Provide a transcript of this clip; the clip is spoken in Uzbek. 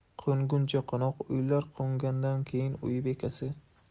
qo'nguncha qo'noq uyalar qo'ngandan keyin uy egasi